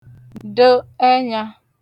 də̣̀ ẹnyā